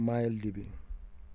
Mayel Dibi